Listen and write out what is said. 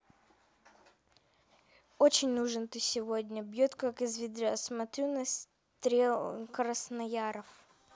очень нужен ты сегодня бьет как из ведра смотрю на стрелы краснояров